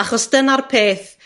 Achos dynna'r peth,